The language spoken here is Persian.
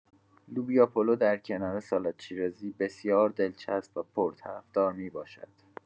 لوبیاپلو در کنار سالاد شیرازی بسیار دلچسب و پرطرفدار می‌باشد.